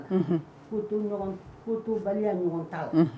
Unhun. Ko to ɲɔgɔn ko to baliya ɲɔgɔn ta la.